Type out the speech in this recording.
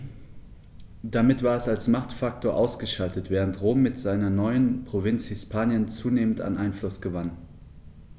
Damit war es als Machtfaktor ausgeschaltet, während Rom mit seiner neuen Provinz Hispanien zunehmend an Einfluss gewann.